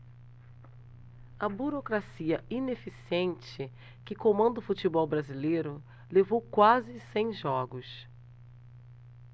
a burocracia ineficiente que comanda o futebol brasileiro levou quase cem jogos